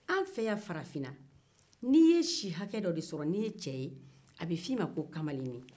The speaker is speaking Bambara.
an fɛ yan farafinna n'i cɛmanin ye si hakɛ dɔ sɔrɔ a bɛ fɔ i ma ko kamalennin